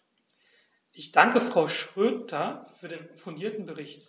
Ich danke Frau Schroedter für den fundierten Bericht.